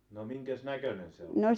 no minkäs näköinen se oli